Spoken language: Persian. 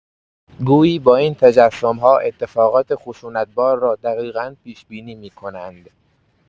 گویی با این تجسم‌ها اتفاقات خشونت‌بار را دقیقا پیش‌بینی می‌کنند.